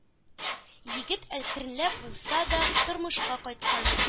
Егет әкренләп булса да тормышка кайткан.